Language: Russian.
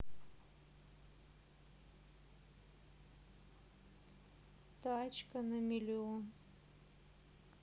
тачка на миллион